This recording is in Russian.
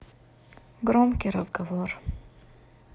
громкий разговор